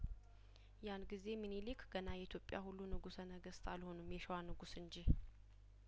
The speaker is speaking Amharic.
ያን ጊዜ ሚኒሊክ ገና የኢትዮጵያ ሁሉ ንጉሰነገስት አልሆኑም የሸዋንጉስ እንጂ